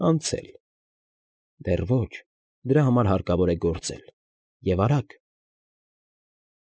Անցե՜լ։ Դեռ ո՜չ, դրա համար հարկավոր է գործել, և արագ…»։